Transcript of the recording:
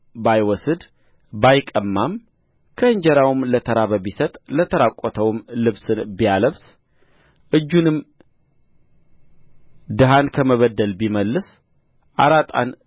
ባይወስድ ባይቀማም ከእንጀራውም ለተራበ ቢሰጥ ለተራቈተውም ልብስን ቢያለብስ እጁንም ድሀን ከመበደል ቢመልስ አራጣን